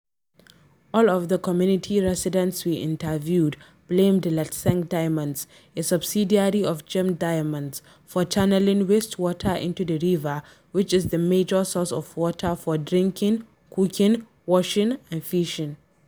All of the community residents we interviewed blamed Letšeng Diamonds — a subsidiary of Gem Diamonds — for channelling wastewater into the river which is the major source of water for drinking, cooking, washing, and fishing.